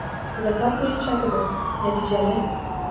Заказ буенча кебек, нәтиҗәле.